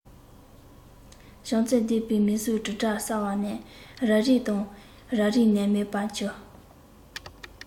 བྱམས བརྩེ ལྡན པའི མིག ཟུང དྲིལ སྒྲ གསལ བ ནས རབ རིབ དང རབ རིབ ནས མེད པར གྱུར